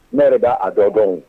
Ne yɛrɛ bɛ a dɔ dɔn